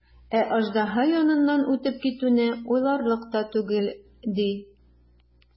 Ә аждаһа яныннан үтеп китүне уйларлык та түгел, ди.